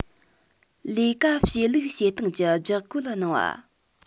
ལས ཀ བྱེད ལུགས བྱེད སྟངས ཀྱི ལྗགས བཀོད གནང བ